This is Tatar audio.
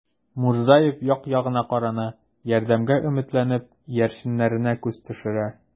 Мурзаев як-ягына карана, ярдәмгә өметләнеп, иярченнәренә күз төшерә.